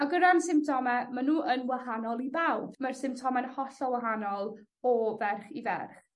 Ag o ran symptome ma' n'w yn wahanol i bawb. Mae'r symptome'n hollol wahanol o ferch i ferch.